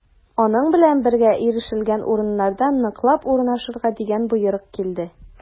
Аның белән бергә ирешелгән урыннарда ныклап урнашырга дигән боерык килде.